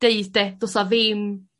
Deud 'de do's 'a ddim